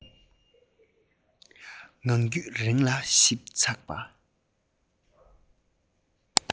ངང རྒྱུད རིང ལ ཞིབ ཚགས པ